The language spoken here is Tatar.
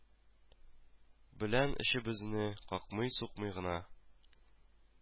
Белән өчебезне, какмый-сукмый гына